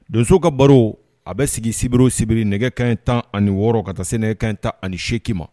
Donso ka baro a bɛ sigi sibiri sibiri nɛgɛ ka in tan ani wɔɔrɔ ka taa se nɛgɛ kan in tan ani seeki ma